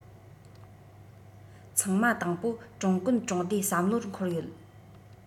ཚང མ དང པོ ཀྲུང གོན གྲོང སྡེ བསམ བློར འཁོར ཡོད